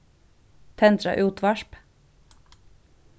tendra útvarp